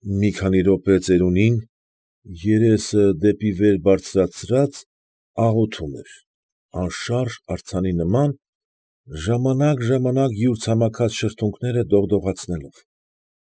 Մի քանի րոպե ծերունին, երեսը դեպի վեր բարձրացրած, աղոթում էր, անշարժ արձանի նման, ժամանակ֊ժամանակ յուր ցամաքած շրթունքները դողդողացնելով։